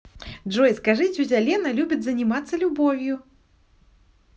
джой скажи тетя лена любит заниматься любовью